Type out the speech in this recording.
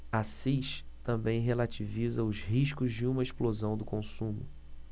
assis também relativiza os riscos de uma explosão do consumo